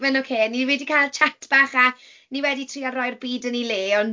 Mae'n ocê. Ni wedi cael chat bach a ni wedi trio roi'r byd yn ei le, ond...